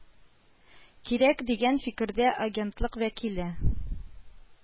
Кирәк, дигән фикердә агентлык вәкиле